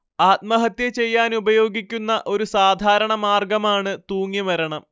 ആത്മഹത്യ ചെയ്യാനുപയോഗിക്കുന്ന ഒരു സാധാരണ മാർഗ്ഗമാണ് തൂങ്ങി മരണം